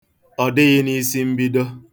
Ọ dịghị na n'isimbido.